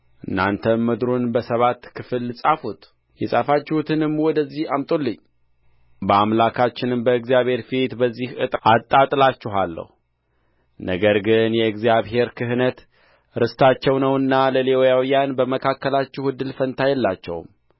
እናንተም ምድሩን በሰባት ክፍል ጻፉት የጻፋችሁትንም ወዲህ አምጡልኝ በአምላካችንም በእግዚአብሔር ፊት በዚህ ዕጣ አጣጥላችኋለሁ ነገር ግን የእግዚአብሔር ክህነት ርስታቸው ነውና ለሌዋውያን በመካከላችሁ እድል ፈንታ የላቸውም